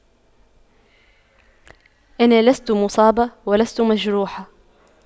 أنا لست مصابة ولست مجروحة